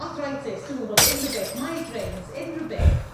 arthritis dwi'm yn gwbod unrhyw beth. Migraines. Unrhyw beth.